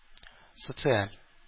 Социаль